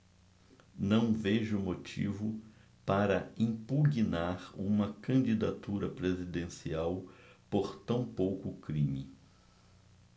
não vejo motivo para impugnar uma candidatura presidencial por tão pouco crime